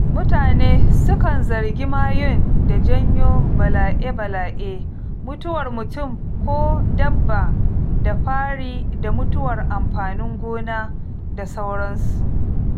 Mutane su kan zargi mayun da janyo bala'e-bala'e: mutuwar mutum ko dabba da fari da mutuwar amfanin gona da sauransu.